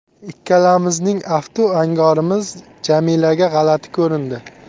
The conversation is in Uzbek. ikkalamizning aftu angorimiz jamilaga g'alati ko'rindi